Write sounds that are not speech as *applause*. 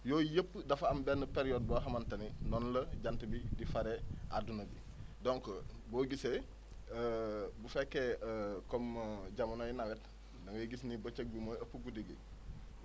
yooyu yëpp dafa am benn période boo xamante ne noonu la jant bi di xaree adduna bi donc boo gisee *hesitation* bu fekkee *hesitation* comme jamonoy nawet da ngay gis ni bëccëg bi mooy ëpp guddi gi